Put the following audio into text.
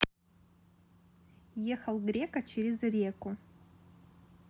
ехал грека через реку